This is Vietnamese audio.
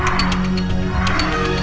anh